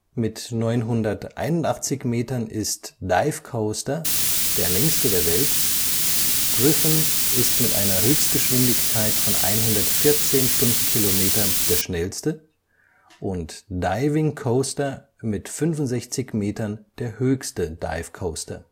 Mit 981 Metern ist Dive Coaster (Chimelong Paradise) der längste der Welt. Griffon ist mit einer Höchstgeschwindigkeit von 114 km/h der schnellste und Diving Coaster mit 65 Metern der höchste Dive Coaster